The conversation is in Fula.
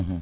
hum